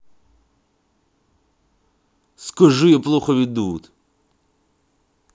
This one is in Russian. скажи я плохо ведут